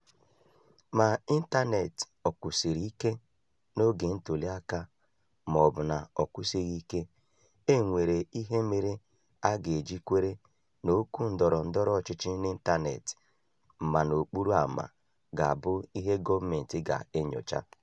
Ma ịntaneetị ọ kwụsiri ike n'oge ntụliaka ma ọ bụ na ọ kwụsịghị ike, e nwere ihe mere a ga-eji kwere na okwu ndọrọ ndọrọ ọchịchị n'ịntaneetị ma n'okporo ámá ga-abụ ihe gọọmentị ga-enyocha.